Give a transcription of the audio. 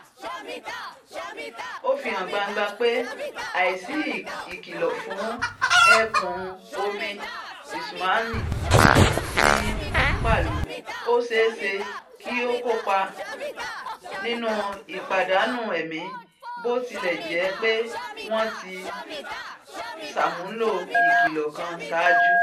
Ó fì hàn gbangba pé àìsí ìkìlọ̀ fún ẹ̀kún omi tsunami ní Palu, ó ṣeé ṣe kí ó kópà nínú ìpadànù ẹ̀mí, bó tilẹ̀ jẹ́ pé wọ́n tí ṣàmúlò ìkìlọ̀ kan ṣáájú.